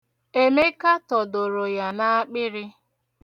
Emeka tọdoro ya n'akpịrị.